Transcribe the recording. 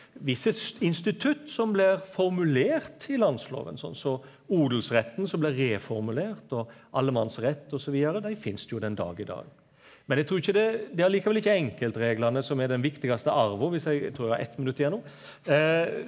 visse institutt som blir formulert i landsloven sånn som odelsretten som blei reformulert og allemannsrett og så vidare, dei finst jo den dag i dag, men eg trur ikkje det er det er likevel ikkje enkeltreglane som er den viktigaste arven viss eg eg trur eg har eitt minutt igjen no .